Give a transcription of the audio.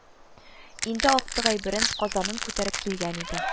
Инде актык әйберен – казанын күтәреп килгән иде